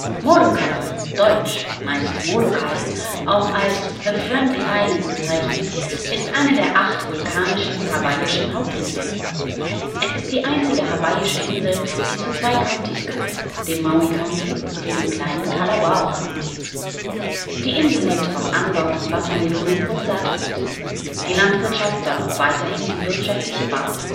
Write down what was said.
Molokaʻi (deutsch meist Molokai), auch als The friendly island bezeichnet, ist eine der acht vulkanischen hawaiischen Hauptinseln. Es ist die einzige hawaiische Insel, die zu zwei Countys gehört, dem Maui County sowie dem kleinen Kalawao County. Die Insel lebt vom Anbau von Wassermelonen und Saatgut. Die Landwirtschaft soll auch weiterhin die wirtschaftliche Basis